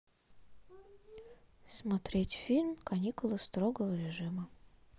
смотреть фильм каникулы строгого режима